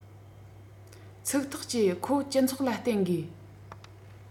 ཚིག ཐག བཅད ཁོ སྤྱི ཚོགས ལ བརྟེན དགོས